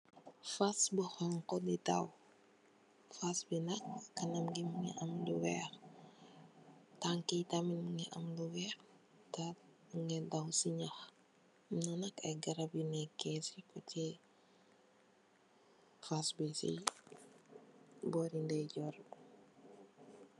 fasè bu khonkhu dii daww, fass bi nak kanam bi mungi am lu wehk, teh mungii daww sii nyahk.